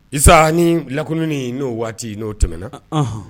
Isa ni lakunnin n'o waati n'o tɛmɛna, ɔnhɔn